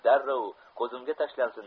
darrov ko'zimga tashlansin